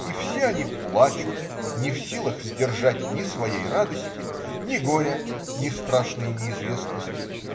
И все они плачут, не в силах сдержать ни своей радости, ни горя, ни страшной неизвестности.